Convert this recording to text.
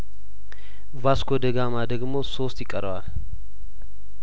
ቫስኮ ደጋማ ደግሞ ሶስት ይቀረዋል